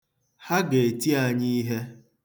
Ha ga-eti anyị ihe.